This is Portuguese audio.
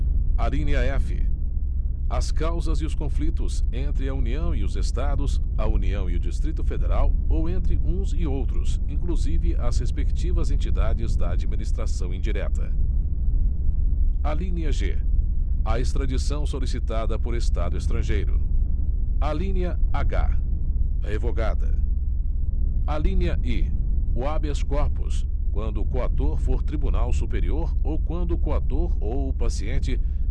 alínea f as causas e os conflitos entre a união e os estados a união e o distrito federal ou entre uns e outros inclusive as respectivas entidades da administração indireta alínea g a extradição solicitada por estado estrangeiro alínea h revogada alínea i o habeas corpus quando o coator for tribunal superior ou quando o coator ou o paciente